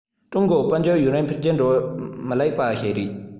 ཀྲུང གོའི དཔལ འབྱོར ཡུན རིང འཕེལ རྒྱས འགྲོ བའི མི ལེགས པ ཞིག རེད